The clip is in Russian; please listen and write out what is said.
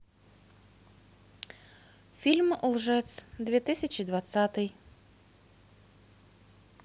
фильм лжец две тысячи двадцатый